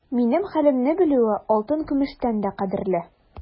Минем хәлемне белүе алтын-көмештән дә кадерле.